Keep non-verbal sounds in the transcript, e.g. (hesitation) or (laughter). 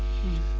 (hesitation) (hesitation)